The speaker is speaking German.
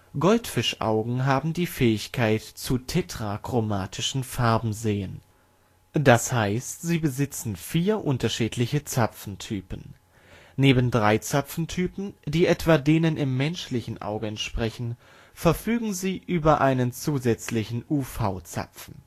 Goldfischaugen haben die Fähigkeit zu tetrachromatischem Farbensehen. Das heißt, sie besitzen vier unterschiedliche Zapfentypen. Neben drei Zapfentypen, die etwa denen im menschlichen Auge entsprechen, verfügen sie über einen zusätzlichen UV-Zapfen